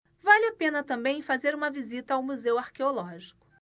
vale a pena também fazer uma visita ao museu arqueológico